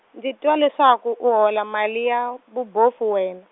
ndzi twa leswaku u hola mali ya, vubofu wena.